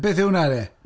Beth yw hwnna de?